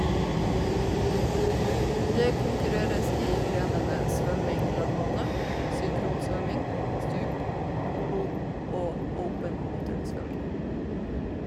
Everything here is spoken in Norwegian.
Det konkurreres i grenene svømming langbane, synkronsvømming, stup, polo og open water- svømming.